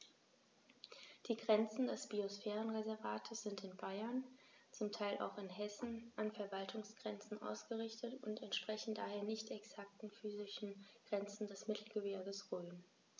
Die Grenzen des Biosphärenreservates sind in Bayern, zum Teil auch in Hessen, an Verwaltungsgrenzen ausgerichtet und entsprechen daher nicht exakten physischen Grenzen des Mittelgebirges Rhön.